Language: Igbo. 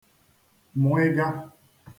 mụịga